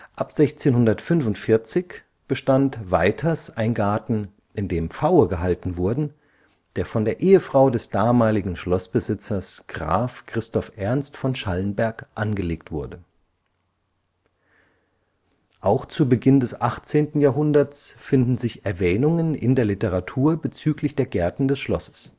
Ab 1645 bestand weiters ein Garten in dem Pfaue gehalten wurden (Pfauengarten), der von der Ehefrau des damaligen Schlossbesitzers Graf Christoph Ernst von Schallenberg angelegt wurde. Auch zu Beginn des 18. Jahrhunderts finden sich Erwähnungen in der Literatur bezüglich der Gärten des Schlosses